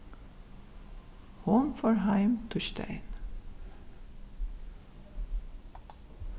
hon fór heim týsdagin